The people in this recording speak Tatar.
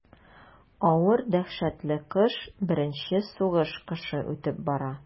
Авыр дәһшәтле кыш, беренче сугыш кышы үтеп бара.